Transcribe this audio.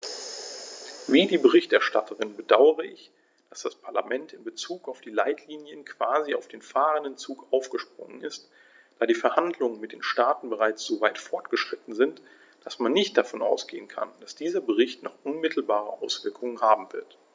Wie die Berichterstatterin bedaure ich, dass das Parlament in bezug auf die Leitlinien quasi auf den fahrenden Zug aufgesprungen ist, da die Verhandlungen mit den Staaten bereits so weit fortgeschritten sind, dass man nicht davon ausgehen kann, dass dieser Bericht noch unmittelbare Auswirkungen haben wird.